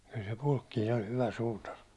kyllä se Pulkkinen oli hyvä suutari